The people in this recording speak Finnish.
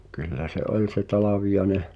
kyllä se oli se Talviainen